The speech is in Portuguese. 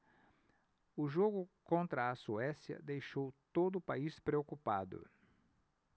o jogo contra a suécia deixou todo o país preocupado